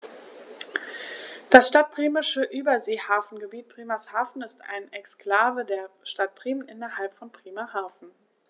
Das Stadtbremische Überseehafengebiet Bremerhaven ist eine Exklave der Stadt Bremen innerhalb von Bremerhaven.